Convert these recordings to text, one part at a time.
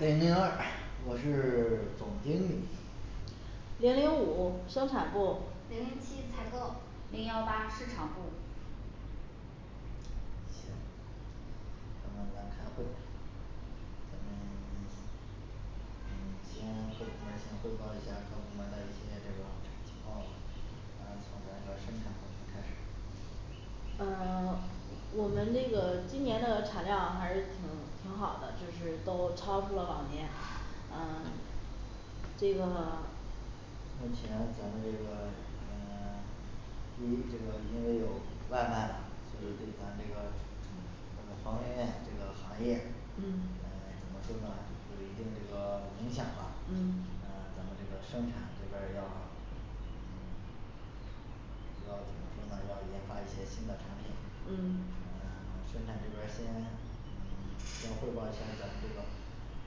零零二我是 总经理零零五生产部零零七采购零幺八市场部行咱们来开会嗯嗯嗯先各部门儿先汇报一下各部门儿的一些这个种情况吧咱从咱这个生产部门开始呃 我们那个今年的产量还是挺挺好的，就是都超出了往年呃 这个 目前咱们这个嗯 一这个因为有外卖啦，所以对嗯咱这个呃方便面这个行业呃嗯怎么说呢有一嗯定这个影响吧那嗯咱们这个生产这边儿要嗯要怎么说呢，要研发一些新的产品，呃嗯生产这边儿先嗯先汇报一下儿咱这个呃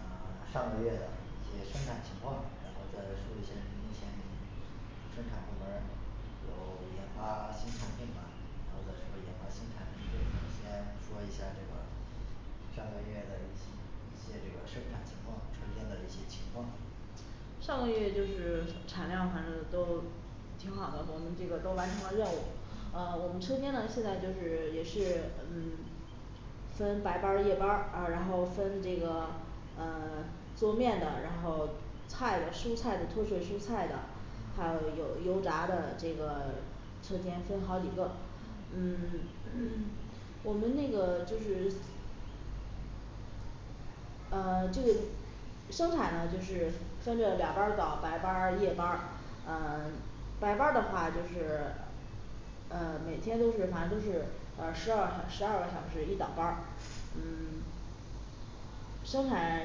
上个月的一些生产情况，然后再说一下目前生产部门儿有研发新产品吗，然后呢就研发新产品先说一下这个上个月的一些一些这个生产情况车间的一些情况上个月就是产量反正都挺好的，我们这个都完成了任务。嗯呃我们车间呢现在就是也是嗯分白班儿夜班儿，呃然后分这个呃 做面的，然后菜的蔬菜的、脱水蔬菜的，还有嗯有油炸的这个车间分好几个嗯 我们那个就是呃这个生产呢就是分着两班儿倒白班儿夜班儿呃 白班儿的话就是呃每天都是反正都是呃十二个 十二个小时一倒班儿嗯 生产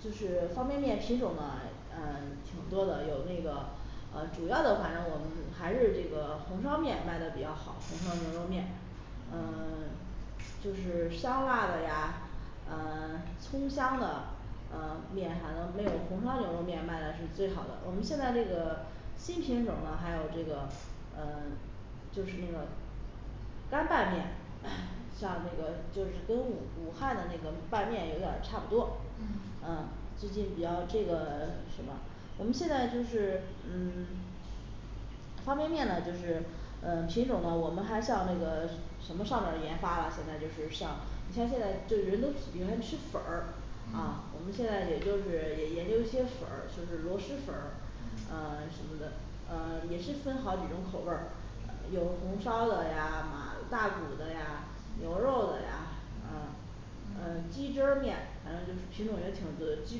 就是方便面品种呢呃挺多的，有那个呃主要的反正我们还是这个红烧面卖的比较好，红烧牛肉面呃 就是香辣的呀，呃 葱香的呃面反正没有，红烧牛肉面卖的是最好的，我们现在这个新品种儿呢还有这个呃就是那个干拌面， 像那个就是跟武武汉的那个拌面有点儿差不多嗯嗯啊最近比较这个什么我们现在就是嗯 方便面呢就是呃品种呢我们还像那个什什么上面儿研发了现在就是上，你像现在就是人都喜欢吃粉儿啊嗯嗯我们现在也就是研研究一些粉儿，就是螺蛳粉儿呃什么的，呃也是分好几种口味儿呃有红烧的呀马，大骨的呀牛肉的呀啊呃嗯鸡汁儿面反正就是品种也挺多的，冀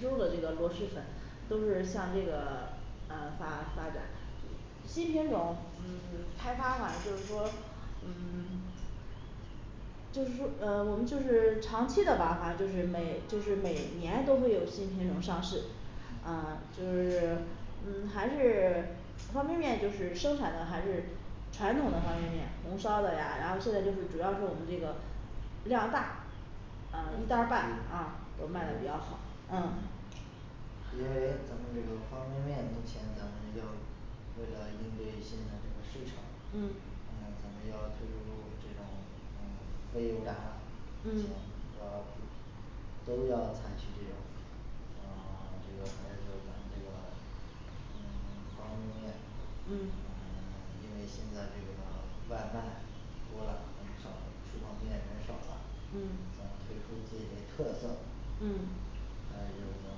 州的这个螺蛳粉都是像这个呃发发展新品种嗯 开发好像就是说嗯 就是说呃我们就是长期的吧反正就是每就是每年都会有新品种上市呃 就是嗯还是 方便面就是生产的，还是传统的方便面红烧的呀，然后现在就是主要是我们这个量大呃一袋儿半啊都卖的比较好嗯嗯因为咱们这个方便面，目前咱们要为了应对现在这个市场，嗯呃咱们要推出这种嗯非油炸目前嗯要注都要采取这种呃 这个还有咱们这个嗯 方便面呃嗯因为现在这个外卖多啦人少啦，吃方便面人少啦嗯嗯推出自己里特色嗯还有就是咱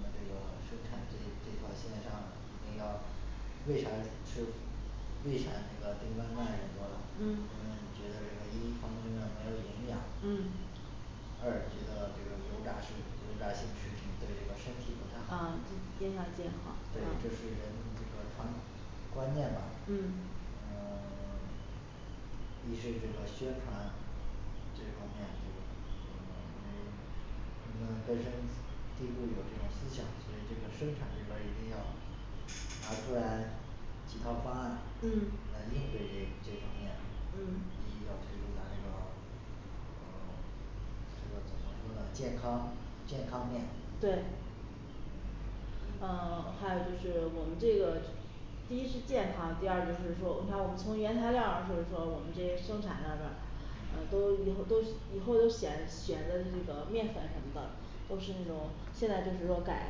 们这个生产这这块儿线上一定要为啥吃为啥那个订外卖那个人嗯们觉得这个一方便面没有营养嗯二觉得这个油炸食油炸性食品对这个身体不太好啊就影响健康，对这啊是人们这个看观念嘛嗯嗯 一是这个宣传这方面这个，呃因为人们根深蒂固有这种思想所以这个生产这边儿一定要拿出来几套方案嗯来应对这这方面嗯一要推出咱这个呃这个怎么说呢健康健康面对嗯呃还有就是我们这个第一是健康，第二就是说你看我们从原材料儿，就是说我们这些生产上面儿呃嗯都以后都以后都选选的那个面粉什么的都是那种现在就是说改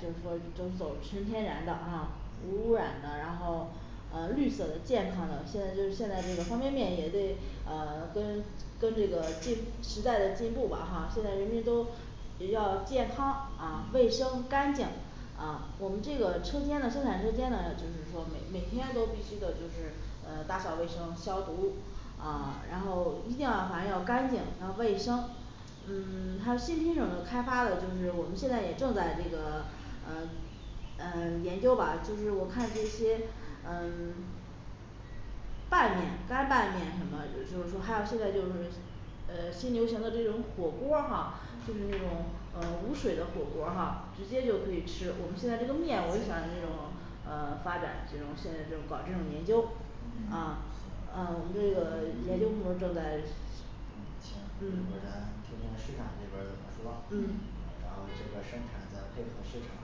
就是说都走纯天然的啊无污染的，然后呃绿色的健康的，现在就是现在这个方便面也得呃 跟跟这个进时代的进步吧哈，现在人民都比较健康啊、卫生、干净，啊我们这个车间的生产车间就是说每每天都必须的就是呃打扫卫生消毒呃然后一定要反正要干净，要卫生嗯 还有新品种的开发的，呃就是我们现在也正在这个呃呃研究吧就是，我看这些嗯 拌面干拌面什么也就是说还有现在就是呃新流行的这种火锅儿哈，就是那种呃无水的火锅儿哈直接就可以吃，我们现在这个面我也想这种呃发展，这种现在这种搞这种研究嗯啊行呃嗯我们这个研究部门儿正在嗯行一会儿嗯咱听听市场这边儿怎么说呃嗯嗯然后这边儿生产再配合市场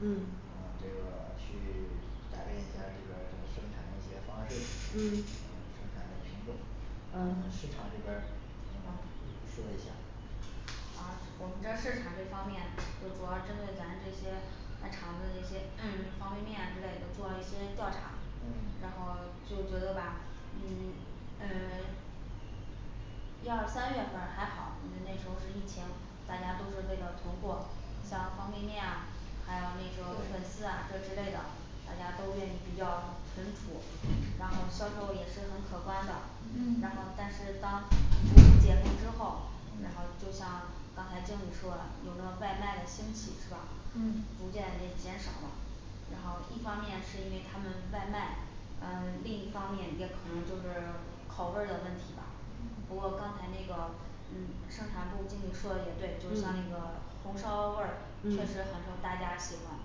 嗯呃这个去改变一下儿这个生产的一些方式，嗯我看看还有什么嗯市场这边儿呃好说一下啊我们这儿市场这方面就说针对咱这些在厂的那些正方便面啊这类都做了一些调查然后嗯就觉得吧嗯呃 一二三月份儿还好，因为那时候儿是疫情大家都是为了囤货像方嗯便面啊还有那个粉对丝啊这之类的大家都愿意比较存储，然后嗯销售也是很可观的，那嗯嗯么但是当疫情解封之后然后呃就像刚才经理说有了外卖的兴起是吧嗯？逐渐也减少啦然后一方面是因为他们外卖呃，另一方面也可能就是口味儿的问题吧过刚才那个嗯生产部经理说也对，就像那嗯个红烧味儿确实很嗯让大家喜欢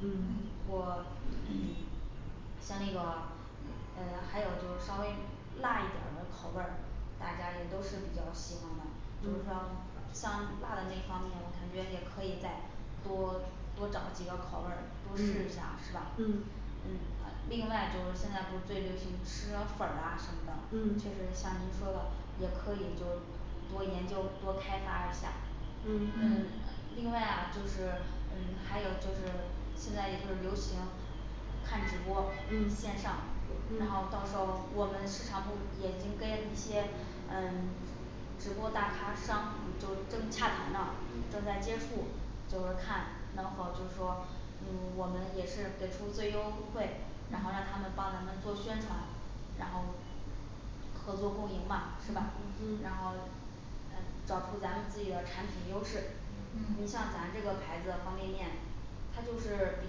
嗯嗯我 像那个嗯呃还有就稍微辣一点的那个口味儿，大家也都是比较喜欢的嗯就像大的那方面，我感觉也可以再多多找几个口味儿都试一嗯下是吧？嗯嗯嗯呃另外就是现在不是最流行吃那粉儿啊什么的，确实像您说的也可以就儿多研究多开发一下嗯嗯嗯另外啊就是嗯还有就是现在也就是流行看直播嗯线上，然后嗯到时候我们市场部也跟跟一些嗯直播大咖商就正洽谈呢正在接触，就是看能否就是说嗯我们也是给出最优惠然后让他们帮咱们做宣传然后合作共赢嗯嘛是吧？然嗯后呃找出咱们自己的产品优势。你嗯像咱这个牌子方便面它就是比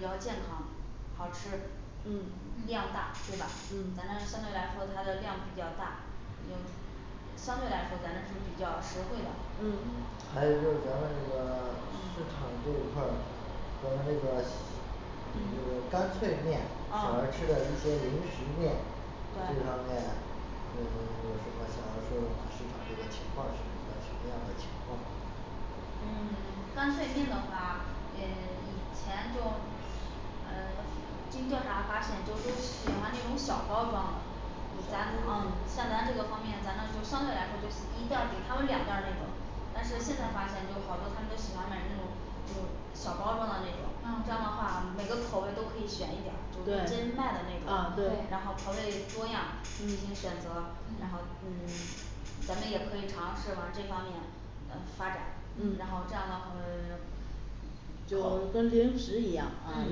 较健康好吃嗯嗯量大对吧，咱们相对来说它的量比较大嗯相对来说咱是比较实惠嗯的嗯还有就咱们那个市场嗯这一块儿咱们那个呃这个嗯干脆面小孩儿吃啊的一些零食面这方面对呃有什么想要说吗市场这个情况是一个什么样的情况嗯 干脆面的话呃以前就呃经调查发现就有喜欢那种小包装的比咱嗯像咱这个方面咱们相对来说就一袋儿抵他们两袋儿那种但是现在发现有好多他们都喜欢买那种有小包装的那种那么这样的嗯话每个口味都可以选一点对啊儿对真卖了然后对口味多样进行选择，然后嗯嗯咱们也可以尝试往这方面呃发展，然后这样的呃 就跟零食一样啊啊嗯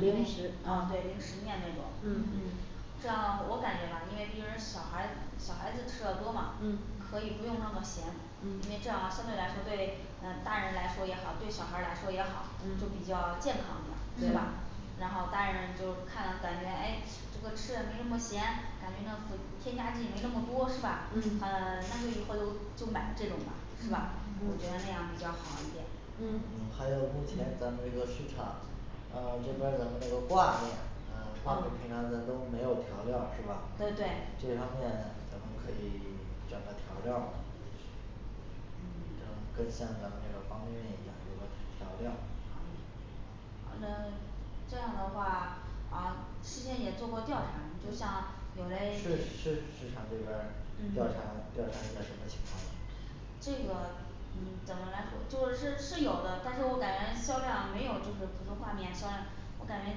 对零零食对啊食面那种嗯嗯这样我感觉吧因为这小孩儿小孩子吃的多嘛嗯，可以嗯不用那么咸，因为这嗯样相对来说对呃大人来说也好，对小孩儿来说也好，就比嗯较健康的对吧对嗯然后嗯大人就看了感觉诶就吃的没那么咸，感觉像添加剂没那么多是吧？嗯呃那就以后就买这种的是吧嗯我觉嗯得那样比较好一点儿嗯还有目前咱这个市场儿嗯这边儿咱们这个挂面呃挂面，像他们都没有调料儿是吧？这嗯方面呢对我们可以整个调料儿嗯啊就像咱这个方便面一样，有调料儿好像这样的话啊事先也做过调查就像有嘞市市市场这边儿嗯调查调查一个什么情况呢这个嗯怎么来就就是是有的，但是我感觉销量没有就是普通方便面方，我感觉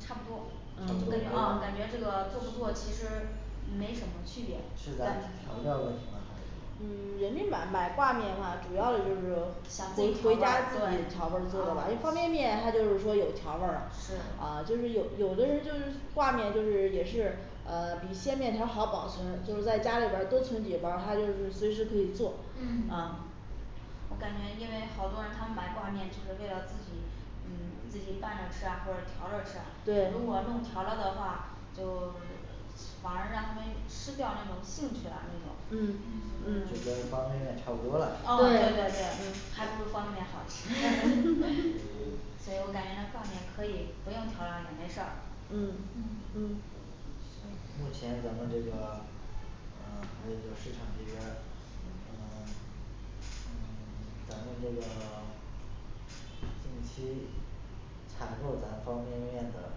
差不多，就感觉嗯啊感觉这个做不做其实没什么区别是咱儿再调料问题吗还是嗯人家买买挂面话主要的就是想自己回调回家自己对调味儿做了吧，因为方便面它就是说有调味儿，呃是就是有有的人就是挂面就是也是呃比鲜面条好保存，就是在家里边儿多存几包儿，他就是随时可以做嗯啊我感觉因为好多人他买挂面就是为了自己嗯自己拌着吃啊或者调着吃啊如果对弄调料的话就 反而让他们失掉那种兴趣了，那种嗯就跟嗯方便面差不多了是啊对对吧还不如方便面好吃 所以我感觉挂面可以不用调料儿也没事儿嗯嗯嗯嗯目前咱们这个呃还有就市场这边儿呃 嗯咱们这个 近期采购咱方面面的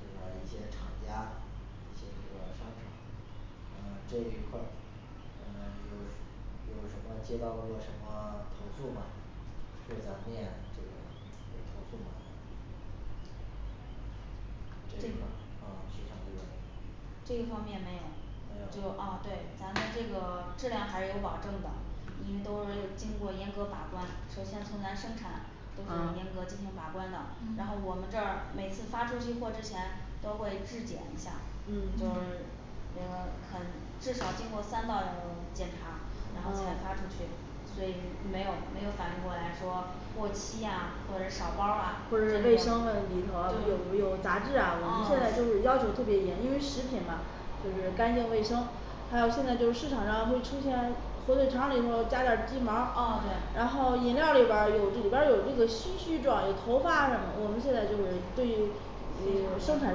就是这个厂家，一些这个商场，呃这一块儿嗯有有什么接到过什么投诉吗？就咱店这个有投诉没这这啊市场部的这方面没有没就啊对有咱们这个质量还是有保证的，因为都是经过严格把关，首先从咱生产都是严啊格进行把关的，然后嗯我们这儿每次发出去货之前都会质检一下儿就嗯嗯是呃嗯至少经过三道呃检查然后再发出去，所以没有没有反映过来说过期呀或者少包儿啊啊或者是卫生问里头儿有没有杂质啊，我们现在就啊是要求特别严，因为食品嘛就是干净卫生，还有现在就是市场上会出现火腿肠里头加点儿噢鸡毛儿，然对后饮料里边儿有这里边有这个须须状有头发啊什么我们现在就是对嗯生产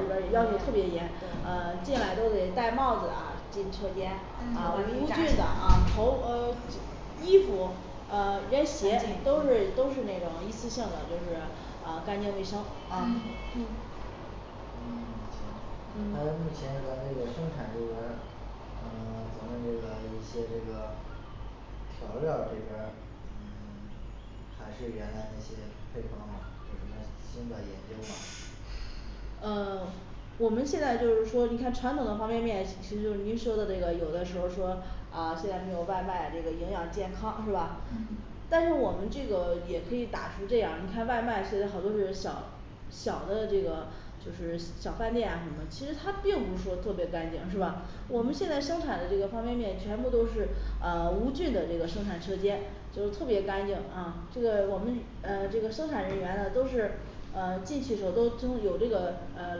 那边儿也要求特别严，啊进来都得戴帽子啊进车间，啊嗯无菌的啊头呃衣服干啊连鞋都是都净是那种一次性的就是啊干净卫生啊嗯对嗯行还有目嗯前咱这个生产这边儿，呃 咱们这个一些这个调料儿这边儿嗯 还是原来那些配方吗有什么新的研究吗？呃 我们现在就是说你看传统的方便面，其实就是您说的这个，有的时候儿说啊现在没有外卖这个营养健康是吧？嗯但是我们这个也可以打出这样，你看外卖现在好多就是小小的这个就是小饭店啊什么，其实他并不是说特别干净是吧？我们现在嗯生产的这个方便面全部都是呃无菌的这个生产车间就是特别干净，啊这个我们呃这个生产人员呢都是呃进去时候都清有这个呃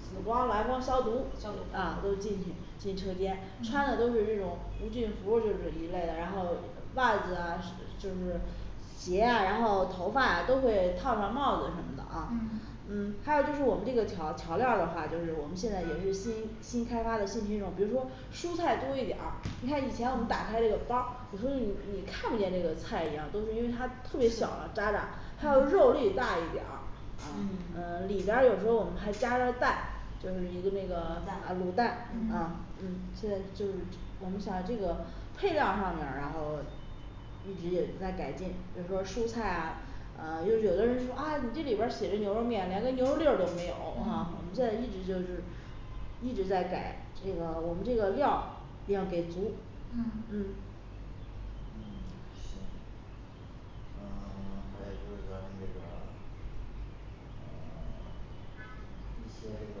紫光蓝光消毒消啊都毒进去进车间穿的都嗯是这种无菌服就这一类的，然后呃袜子啊 就是鞋呀，然后头发都会套上帽子什么的啊嗯嗯还有就是我们这个调调料儿的话，就是我们现在也是新新开发的新品种儿，比如说蔬菜多一点儿，你看以前我们打开这个包儿，有时候就你你看不见这个菜一样，都是因为它特别小渣渣还有肉嗯粒大一点儿啊嗯呃里边儿有时候我们还加上蛋就是一个那个啊卤卤蛋蛋啊嗯嗯现在就是我们想这个配料儿上面，然后一直也在改进，比如说蔬菜呀，呃因为有的人说啊你这里边儿写着牛肉面，连个牛肉粒儿都没有，啊我嗯们现在一直就是一直再改这个我们这个料儿一定给足嗯嗯嗯 行呃 还有就是咱们这个呃 一些这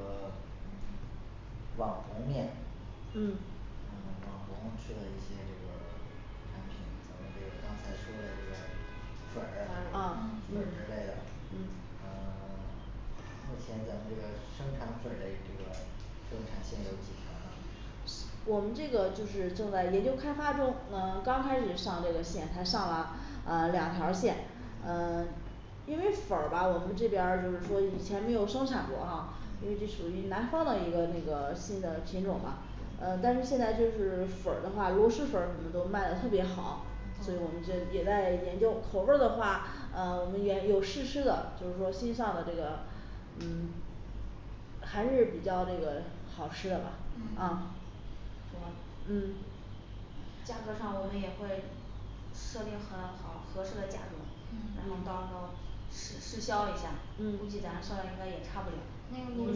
个嗯 网红面嗯嗯网红吃一些这个产品，咱们这个刚才说嘞这个粉儿粉粉儿儿嗯嗯之类的嗯嗯 目前咱们这个生产粉儿嘞这个生产进度怎么样我们这个就是正在研究开发中，啊刚开始上这个线才上了呃两条儿线呃 因为粉儿吧我们这边儿就是说以前没有生产过哈，因为这嗯属于南方的一个那个新的品种儿吧呃但是现在就是粉儿的话，螺蛳粉儿什么都卖得特别好，所以我们这也在研究口味儿的话呃，我们也有试吃的，就是说新上的这个嗯 还是比较这个好吃的吧噢嗯啊嗯价格上我们也会设定很好合适的价格，然后嗯嗯到时候儿试试试试销一下估计嗯咱销量应该也差不多那个螺螺嗯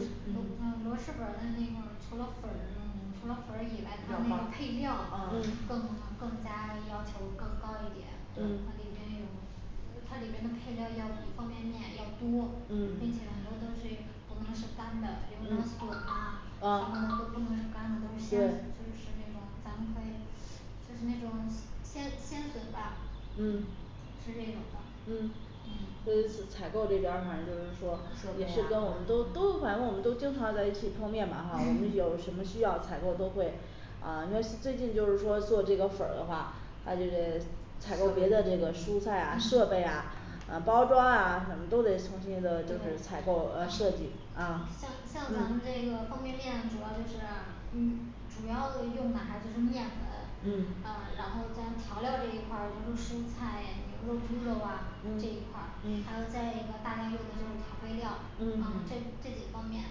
嗯嗯螺蛳粉儿的那个除了粉儿那种除了粉儿以外，它那个配料儿嗯更更加要求更高一点，然后嗯里边有不是它里边那配料儿要比方便面要多，并嗯且很多东西不能是干的，比如那个笋嗯呐什么的都不能干的，都是哦鲜的，对就是那种咱们可以就是那种鲜鲜笋吧嗯是这种的嗯嗯对于次 采购，这边儿反正就是说也是跟我们都都反正我们都经常在一起碰面嘛嚎我们有什么需要采购都会啊你看就最近就是说做这个粉儿的话，它就得采购别的这个蔬菜啊设嗯备啊呃包装啊什么都得重新的就是采对购呃设计啊像像咱们这嗯个方便面主要就是嗯主要用的还就是面粉嗯呃然后将调料儿这一块儿就是蔬菜牛肉、猪肉啊嗯这一块儿还有嗯再一个大概用的就是调味料儿嗯这这几个方面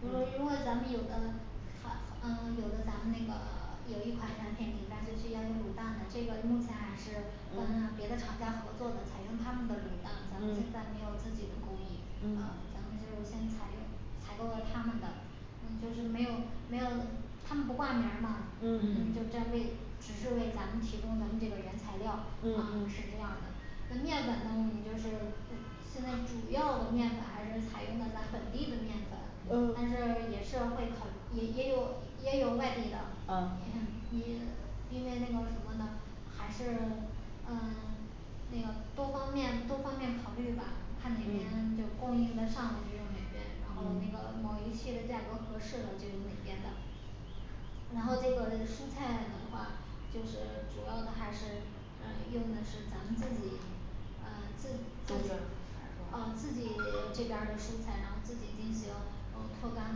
比如如果嗯咱们有的呃嗯有的咱们那个 有一款产品里边决定要用卤蛋嘞，这个目前还是跟嗯别的厂家合作的采用他们的卤蛋咱们现嗯在没有自己的工艺呃嗯咱们就是先采用采购了他们的嗯就是没有没有他们不挂名儿嘛，嗯就是这样为 只是为咱们提供咱们这个原材料，嗯嗯呃是这样的这面粉呢我们就是呃现在主要的面粉还是采用的咱本地的面粉但哦是也是会考虑也也有也有外地的，啊因因因为那个什么呢还是呃那个多方面多方面考虑吧，看哪边就嗯供应得上就用哪边，然后那个嗯某一期的价格合适了，就用那边的然后这嗯个蔬菜的话就是主要的还是呃用的是咱们自己呃自自己呃自己 这边儿的蔬菜，然后自己进行，然后脱干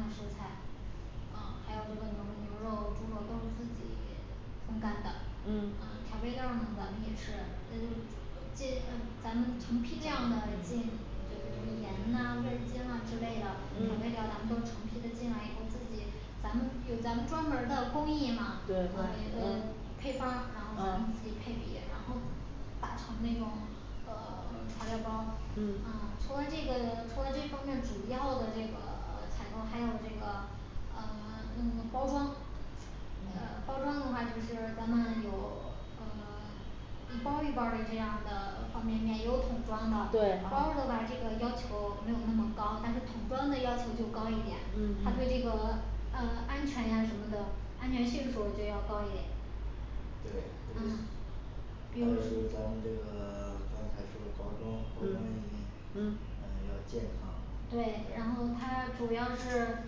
的蔬菜呃还有这个牛牛肉猪肉都是自己 烘干的呃嗯调配料儿呢，咱们也是嗯呃进呃咱们成批量的进就比如盐呐味儿精啊之类的调配料嗯儿咱们都成批的进来以后自己咱们有咱们专门儿的工艺嘛对可以对嗯嗯配方儿，然后咱们自己啊配比，然后打成那种呃 材料包儿嗯嗯除了这个除了这方面儿主要的这个 采购还有这个呃 包装呃嗯包装的话就是咱们有呃 一包儿一包儿的这样的 方便面，也有桶装的对包儿的吧这个要求没有那么高，但是桶装的要求就高一点嗯，他对这个嗯呃安全什么的安全系数儿就要高一点对嗯还有就是咱们这个 刚才说的包装一定嗯要嗯呃健康对，然后它主要是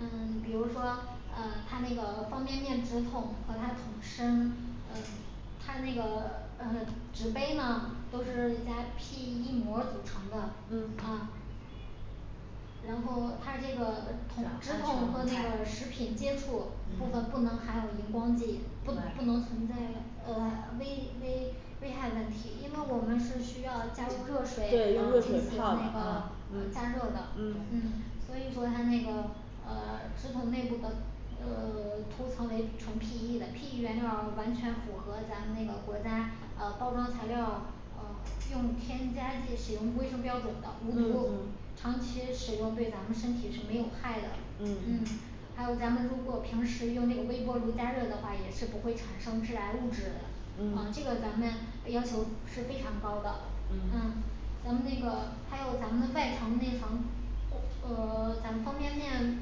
嗯 比如说呃它那个方便面纸桶和它桶身呃嗯它那个嗯纸杯呢都是在家拼一模儿组成的啊嗯然后它这个桶纸桶和那个食品接触部分不能嗯含有荧光剂，不能不能存在呃危危危害问题，因为我们是需要加入热水对用热水进啊行烫那个啊啊嗯加热的嗯嗯所以说它那个呃纸桶内部的呃 涂层为纯P E的P E原料儿，完全符合咱们那个国家呃包装材料儿呃用添加剂使用卫生标准的无毒嗯嗯，长期使用对咱们身体是没有害的嗯嗯还有咱们如果平时用那个微波炉加热的话，也是不会产生致癌物质的啊嗯这个咱们要求是非常高的嗯嗯我们那个还有咱们的外层内层，光 呃 咱们方便面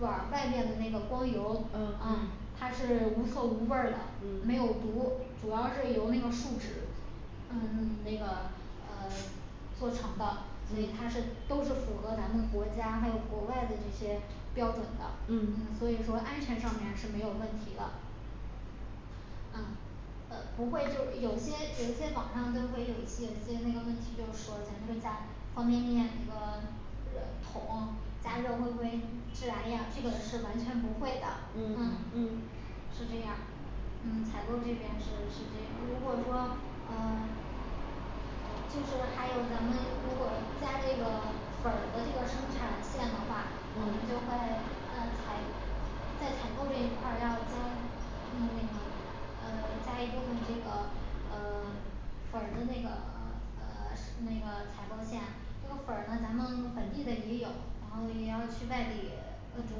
碗儿外面的那个光油嗯嗯它是无色无味儿的，没有嗯毒，主要是由那个树脂嗯嗯那个呃 做成的，所以它是嗯都是符合咱们国家还有国外的这些标准的嗯所以说安全上面是没有问题的嗯呃不会就有些有一些网上都会有有一些那个问题，就是说咱在家方便面那个热桶加热会不会致癌呀，这个是完全不会的嗯嗯嗯是这样嗯采购这边是是这样，如果说嗯 就是还有咱们如果加这个粉儿的这个生产线的话，我们就会嗯呃采在采购这一块儿要加嗯那个呃加一部分这个呃 粉儿的那个 呃 那个采购线，这个粉儿像咱们本地的也有，然后也要去外地呃主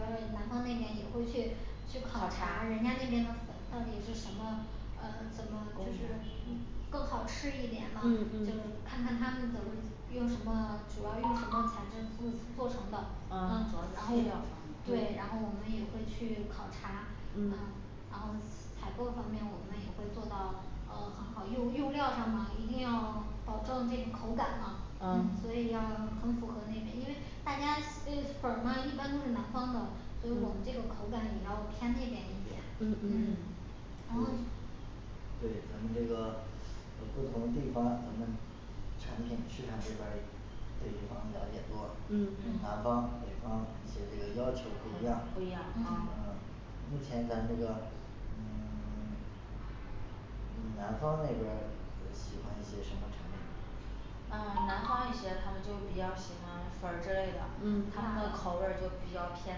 要是南方那边也会去去考察人家那边的粉到底是什么呃怎么就是嗯更好吃一点嘛，嗯就嗯看看他们都是用什么主要用什么材质做做成的，嗯主要啊是然后配料方面对嗯然后我们也会去考察嗯嗯然后采购方面我们也会做到呃很好用，用料儿上嘛一定要保证这个口感嘛嗯所啊以要很符合那个，因为大家呃粉儿嘛一般都是是南方的，所以我们嗯这个口感也要偏那边一点嗯嗯嗯然后对咱们这个有不同地方咱们，产品市场这边儿对这方面了解多嗯，南方北方一些这个要求不一样不一样嗯啊嗯目前咱这个嗯 嗯南方那边儿喜欢一些什么产品嗯南方一些他们就比较喜欢粉儿之类的嗯，辣它的口那味儿就种比较偏